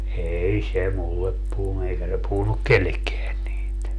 ei se minulle puhunut eikä se puhunut kenellekään niitä